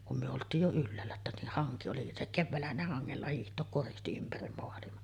kun me oltiin jo ylhäällä että niin hanki oli se keväällähän ne hangella hiihtää koristi ympäri maailma